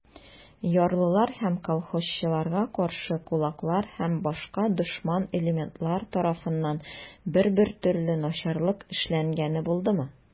Ярлылар һәм колхозчыларга каршы кулаклар һәм башка дошман элементлар тарафыннан бер-бер төрле начарлык эшләнгәне булдымы?